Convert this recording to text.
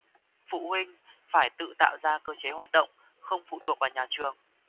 phụ huynh phải tự tạo ra cơ chế hoạt động không phụ thuộc vào nhà trường